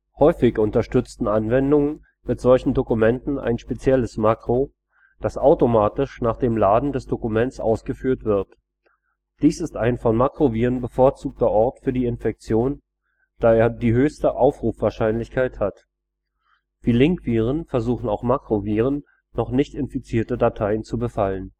Häufig unterstützen Anwendungen mit solchen Dokumenten ein spezielles Makro, das automatisch nach dem Laden des Dokuments ausgeführt wird. Dies ist ein von Makroviren bevorzugter Ort für die Infektion, da er die höchste Aufrufwahrscheinlichkeit hat. Wie Linkviren versuchen auch Makroviren, noch nicht infizierte Dateien zu befallen